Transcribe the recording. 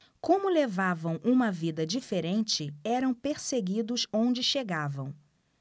como levavam uma vida diferente eram perseguidos onde chegavam